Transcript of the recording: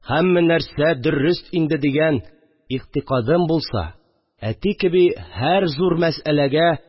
Һәммә нәрсә дөрест инде дигән икътикадым булса, әти кеби һәр зур мәсьәләгә